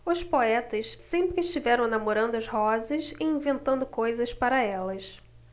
os poetas sempre estiveram namorando as rosas e inventando coisas para elas